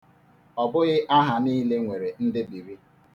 Ọ bụghị aha niile nwere ndebiri.